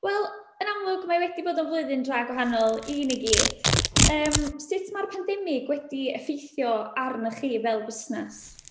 Wel, yn amlwg mae wedi bod yn flwyddyn dra gwahanol i ni gyd. Yym sut mae'r pandemig wedi effeithio arnoch chi fel busnes?